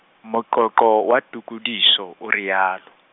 moqoqo wa tokodiso, o realo.